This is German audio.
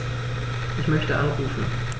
Ich möchte anrufen.